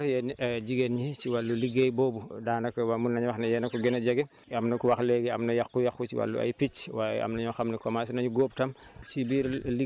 am na yaakaar yéen jigéen ñi ci wàllu liggéey boobu daanaka waa mun nañu wax ne yéen a ko gën a jege am na ku wax léegi am na yàqu-yàqu si wàllu ay picc waaye am na ñoo xam ne commencé nañu góob tam